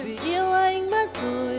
vì yêu anh mất rồi